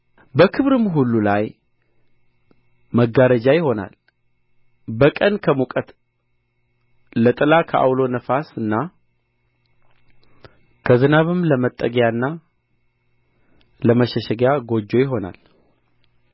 በክብርም ሁሉ ላይ መጋረጃ ይሆናል በቀን ከሙቀት ለጥላ ከዐውሎ ነፋስና ከዝናብም ለመጠጊያና ለመሸሸጊያ ጎጆ ይሆናል